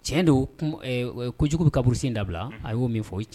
Cɛn tiɲɛ don jugu bɛ kaburu sen dabila a y'o min fɔ cɛn